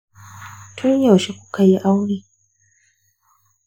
tun yaushe kuka yi aure?